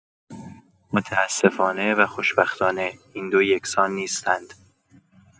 متاسفانه و خوشبختانه، این دو یکسان نیستند.